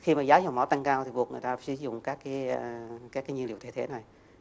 khi mà giá dầu mỏ tăng cao thì buộc người ta sử dụng các cái các cái nhiên liệu thay thế này